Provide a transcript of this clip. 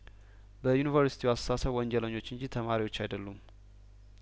በዩኒቨርስቲው አስተሳሰብ ወንጀለኞች እንጂ ተማሪዎች አይደሉም